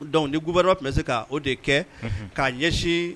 Dɔnku diuba tun bɛ se ka o de kɛ k'a ɲɛsin